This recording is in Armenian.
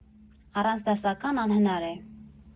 Առանց դասական անհնար է։